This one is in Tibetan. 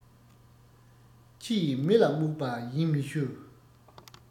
ཁྱི ཡིས མི ལ རྨུགས པ ཡིན མི ཞུ